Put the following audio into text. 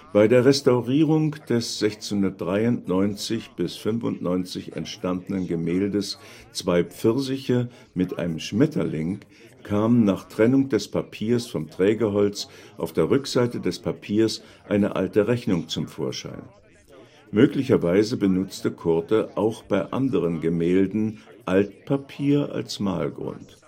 Bei der Restaurierung des 1693 – 95 entstandenen Gemäldes Zwei Pfirsiche mit einem Schmetterling kam nach Trennung des Papiers vom Trägerholz auf der Rückseite des Papiers eine alte Rechnung zum Vorschein. Möglicherweise benutzte Coorte auch bei anderen Gemälden Altpapier als Malgrund